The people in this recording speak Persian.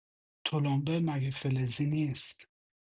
تلمبه مگه فلزی نیست؟